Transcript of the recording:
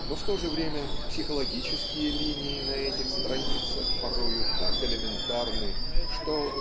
Но в то же время психологические линии на этих страницах порою так элементарны что